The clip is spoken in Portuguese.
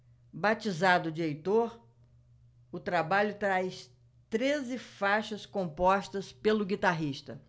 batizado de heitor o trabalho traz treze faixas compostas pelo guitarrista